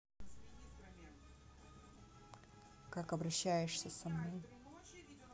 как обращаешься со мной